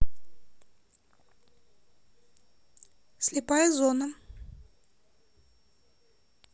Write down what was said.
слепая зона